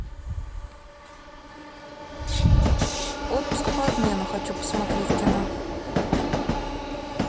отпуск по обмену хочу посмотреть кино